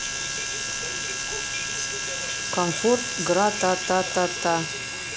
комфорт гратататата